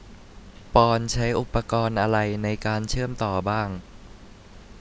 ปอนด์ใช้อุปกรณ์อะไรในการเชื่อมต่อบ้าง